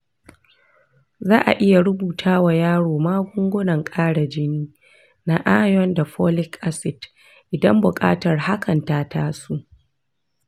za a iya rubuta wa yaro magungunan ƙara jini na iron da folic acid idan buƙatar hakan ta taso.